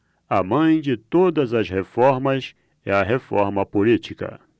a mãe de todas as reformas é a reforma política